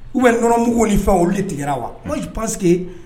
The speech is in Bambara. U bɛ yɔrɔ mugug ni fɛ olu tigɛ wa pa que